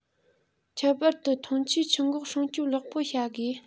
ཁྱད པར དུ འཐུང ཆུའི ཆུ འགོ སྲུང སྐྱོང ལེགས པོ བྱ དགོས